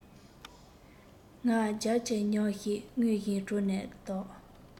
ང རྒྱལ གྱི ཉམས ཤིག མངོན བཞིན གྲོ ནས དག